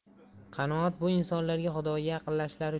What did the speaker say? qanoat bu insonlarga xudoga yaqinlashishlari